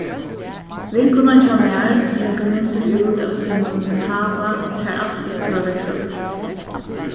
vinkonan hjá mær leggur myndir út av sínum hava har alt sleppur at vaksa vilt